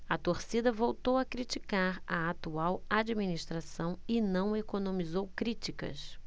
a torcida voltou a criticar a atual administração e não economizou críticas